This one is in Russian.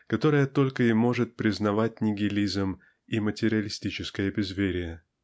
которые только и может признавать нигилизм и материалистическое безверие.